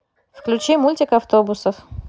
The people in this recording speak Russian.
включи мультик автобусов